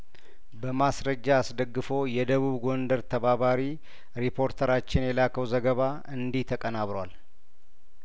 በማስረጃ አስደግፎ የደቡብ ጐንደር ተባባሪ ሪፓርተራችን የላከው ዘገባ እንዲህ ተቀናብሯል